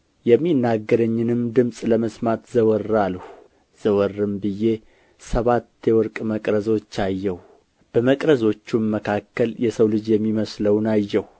የሚናገረኝንም ድምፅ ለማየት ዘወር አልሁ ዘወርም ብዬ ሰባት የወርቅ መቅረዞች አየሁ በመቅረዞቹም መካከል የሰው ልጅ የሚመስለውን አየሁ